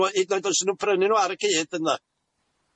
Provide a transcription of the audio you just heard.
n'w hyd yn oed os 'dy nw'n prynu n'w ar y cyd ynde?